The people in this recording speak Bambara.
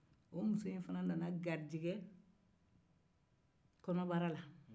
o muso in fana nana garijɛgɛ kɔnɔbara la